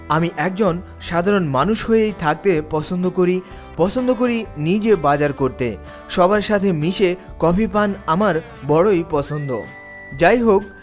আমি একজন সাধারন মানুষ হয়েই থাকতে পছন্দ করি পছন্দ করি নিজে বাজার করতে সবার সাথে মিশে কফি পান আমার বড়ই পছন্দ যাইহোক